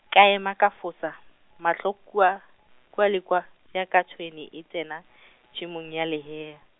ka ema ka foša, mahlo kua, kua le kua, bjaka tšhwene e tsena, tšhemong ya lehea.